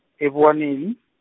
eBuwaneni.